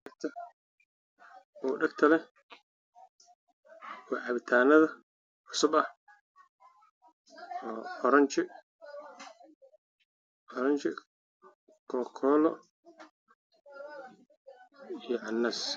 Waa cagadaha cabitanada dhegta leh